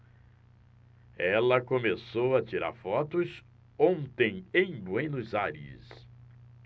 ela começou a tirar fotos ontem em buenos aires